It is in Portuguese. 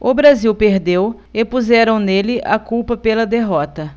o brasil perdeu e puseram nele a culpa pela derrota